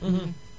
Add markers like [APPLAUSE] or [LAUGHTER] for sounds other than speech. [HESITATION] [HESITATION]